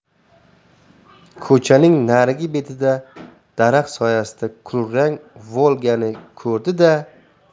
ko'chaning narigi betida daraxt soyasida kulrang volga ni ko'rdi da